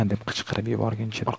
deb qichqirib yuborgancha